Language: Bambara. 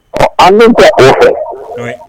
Ɔ en même temps o fɔ, ouais